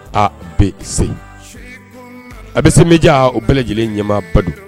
A bɛ se a bɛ se bɛja o bɛɛ lajɛlen ɲɛmaba